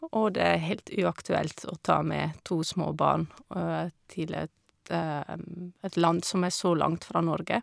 Og det er helt uaktuelt å ta med to små barn til et et land som er så langt fra Norge.